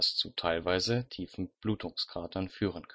zu teilweise tiefen Blutungskratern führen